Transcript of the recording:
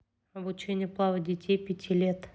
обучение плавать детей пяти лет